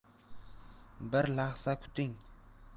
bir lahza kuting